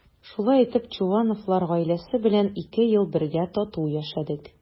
Шулай итеп Чувановлар гаиләсе белән ике ел бергә тату яшәдек.